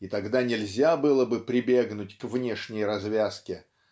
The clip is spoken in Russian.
и тогда нельзя было бы прибегнуть к внешней развязке